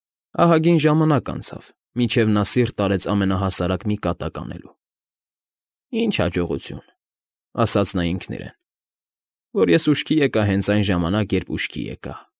Ահագին ժամանակ անցավ, մինչև նա սիրտ արեց ամենահասարակ մի կատակ անելու։ «Ինչ հաջողություն,֊ ասաց նա ինքն իրեն,֊ որ ես ուշքի եկա հենց այն ժամանակ, երբ ուշքի եկա։